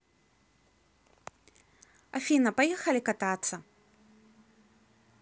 афина поехали кататься